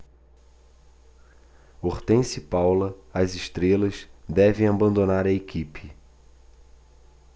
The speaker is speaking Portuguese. hortência e paula as estrelas devem abandonar a equipe